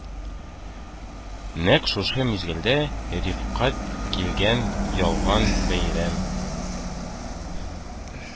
Нәкъ шушы мизгелдә Рифкат килгән ялган бәйрәм